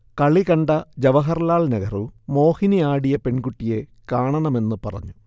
കളികണ്ട ജവഹർലാൽ നെഹ്രു, മോഹിനി ആടിയ പെൺകുട്ടിയെ കാണണമെന്ന് പറഞ്ഞു